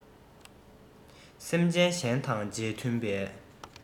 སེམས ཅན གཞན དང རྗེས མཐུན པའི